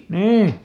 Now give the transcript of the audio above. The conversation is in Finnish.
niin